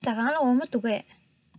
ཟ ཁང ལ འོ མ འདུག གས